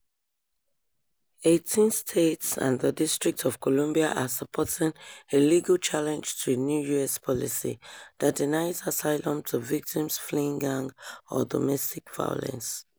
Eighteen states and the District of Columbia are supporting a legal challenge to a new U.S. policy that denies asylum to victims fleeing gang or domestic violence.